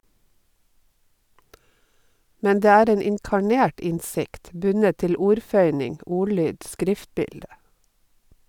Men det er en inkarnert innsikt, bundet til ordføyning, ordlyd, skriftbilde.